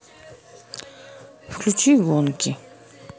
включи гонки